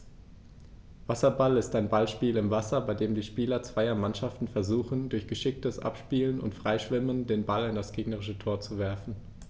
Wasserball ist ein Ballspiel im Wasser, bei dem die Spieler zweier Mannschaften versuchen, durch geschicktes Abspielen und Freischwimmen den Ball in das gegnerische Tor zu werfen.